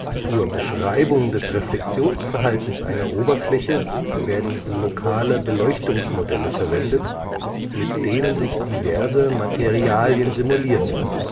Zur Beschreibung des Reflexionsverhaltens einer Oberfläche werden lokale Beleuchtungsmodelle verwendet, mit denen sich diverse Materialien simulieren lassen